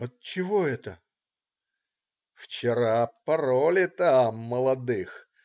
"Отчего это?" - "Вчера пороли там, молодых.